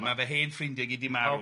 Ma' fy hen ffrindiau gyd di marw.